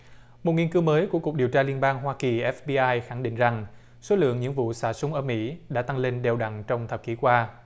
một nghiên cứu mới của cục điều tra liên bang hoa kỳ ép bi ai khẳng định rằng số lượng những vụ xả súng ở mỹ đã tăng lên đều đặn trong thập kỷ qua